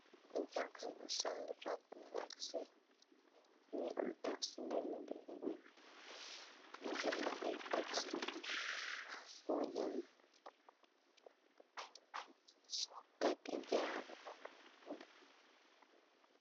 Janha bu sol roubu waxse nuge am taf se dene be nu jel lohou ye tek se pujam take jaaru.